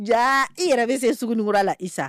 Ja i yɛrɛ bɛ se sugu ninnukura la i sa